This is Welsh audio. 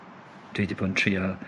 Dwi 'di bo' yn trio